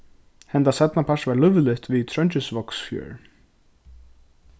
henda seinnapart var lívligt við trongisvágsfjørð